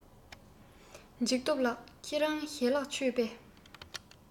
འཇིགས སྟོབས ལགས ཁྱེད རང ཞལ ལག མཆོད པས